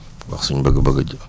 wax suñ bëgg-bëgg